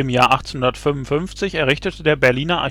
Jahr 1855 errichtete der Berliner